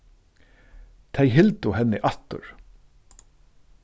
tey hildu henni aftur